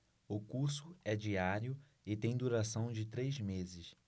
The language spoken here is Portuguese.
o curso é diário e tem duração de três meses